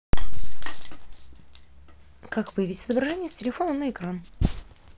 как выявить изображение с телефона на экран